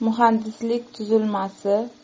muhandislik tuzilmasi